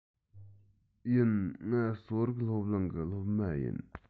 ཡིན ང གསོ རིག སློབ གླིང གི སློབ མ ཡིན